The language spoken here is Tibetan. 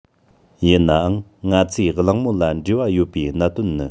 ཡིན ནའང ང ཚོས གླིང མོལ ལ འབྲེལ བ ཡོད པའི གནད དོན ནི